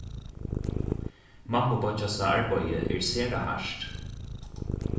mammubeiggjasa arbeiði er sera hart